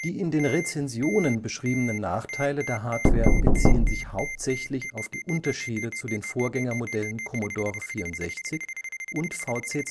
in den Rezensionen beschriebenen Nachteile der Hardware beziehen sich hauptsächlich auf die Unterschiede zu den Vorgängermodellen Commodore 64 und VC